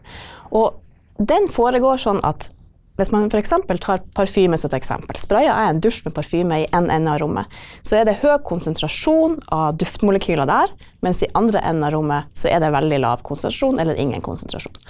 og den foregår sånn at hvis man f.eks. tar parfyme som et eksempel, sprayer jeg en dusj med parfyme i én ende av rommet, så er det høg konsentrasjon av duftmolekyler der, mens i andre enden av rommet så er det veldig lav konsentrasjon eller ingen konsentrasjon.